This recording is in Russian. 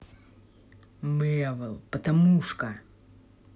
мэвл патамушка